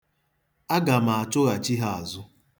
Aga m achụghachi ha azụ.